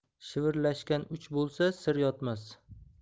shivirlashgan uch bo'lsa sir yotmas